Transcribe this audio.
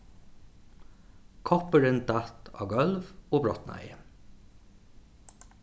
koppurin datt á gólv og brotnaði